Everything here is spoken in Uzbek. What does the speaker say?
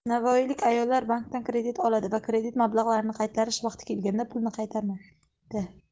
navoiylik ayollar bankdan kredit oladi va kredit mablag'larini qaytarish vaqti kelganda pulni qaytarmaydi